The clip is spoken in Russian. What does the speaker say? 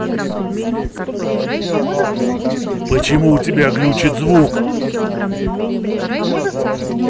почему у тебя глючит звук